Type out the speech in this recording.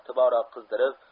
tobora qizdirib